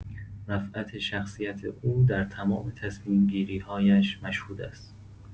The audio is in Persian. رفعت شخصیت او در تمام تصمیم‌گیری‌هایش مشهود است.